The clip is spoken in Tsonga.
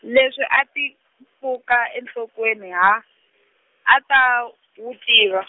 leswi a ti, pfuka enhlokweni ha, a ta, wu tiva.